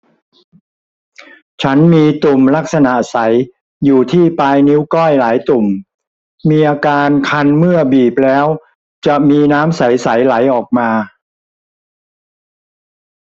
ฉันมีตุ่มลักษณะใสอยู่ที่ปลายนิ้วก้อยหลายตุ่มมีอาการคันเมื่อบีบแล้วจะมีน้ำใสใสไหลออกมา